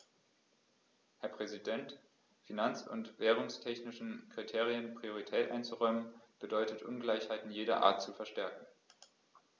Herr Präsident, finanz- und währungstechnischen Kriterien Priorität einzuräumen, bedeutet Ungleichheiten jeder Art zu verstärken.